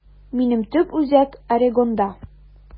Минем төп үзәк Орегонда.